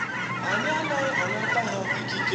“Anyị anaghị anata ha ikike.”